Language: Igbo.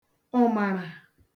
ụ̀màrà